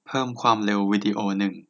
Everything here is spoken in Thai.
เพิ่มความเร็ววีดีโอหนึ่ง